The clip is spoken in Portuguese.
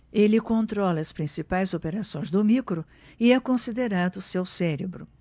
ele controla as principais operações do micro e é considerado seu cérebro